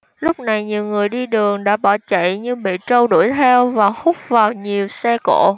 lúc này nhiều người đi đường đã bỏ chạy nhưng bị trâu đuổi theo và húc vào nhiều xe cộ